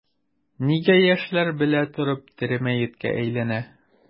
Нигә яшьләр белә торып тере мәеткә әйләнә?